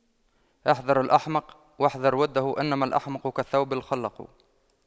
احذر الأحمق واحذر وُدَّهُ إنما الأحمق كالثوب الْخَلَق